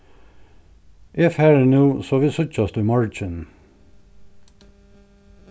eg fari nú so vit síggjast í morgin